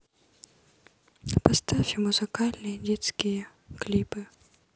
поставь музыкальные детские клипы